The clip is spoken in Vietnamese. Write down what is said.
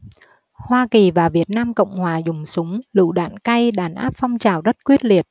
hoa kỳ và việt nam cộng hòa dùng súng lựu đạn cay đàn áp phong trào rất quyết liệt